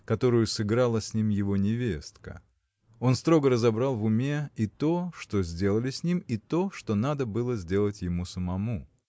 которую сыграла с ним его невестка. Он строго разобрал в уме и то что сделали с ним и то что надо было делать ему самому.